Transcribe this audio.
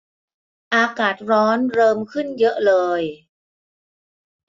อากาศร้อนเริมขึ้นเยอะเลย